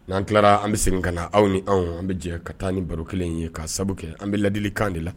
N'an tilara an bɛ segin ka na aw ni anw an bɛ jɛ ka taa ni baro kelen ye ka sababu kɛ an bɛ ladili kan de la